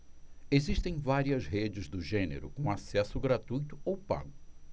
existem várias redes do gênero com acesso gratuito ou pago